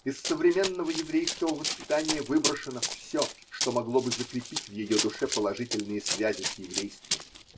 Из современного еврейского воспитания выброшено все, что могло бы закрепить в ее душе положительные связи с еврейством.